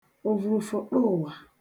òvùrùfụ̀ṭuụ̀wà